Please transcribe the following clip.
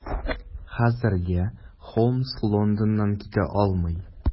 Хәзергә Холмс Лондоннан китә алмый.